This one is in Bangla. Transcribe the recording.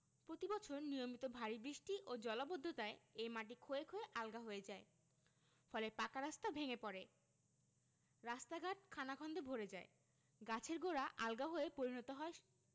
প্রতিবছর নিয়মিত ভারি বৃষ্টি ও জলাবদ্ধতায় এই মাটি ক্ষয়ে ক্ষয়ে আলগা হয়ে যায় ফলে পাকা রাস্তা ভেঙ্গে পড়ে রাস্তাঘাট খানাখন্দকে ভরে যায় গাছের গোড়া আলগা হয়ে পরিণত হয়